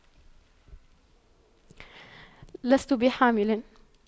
لست بحامل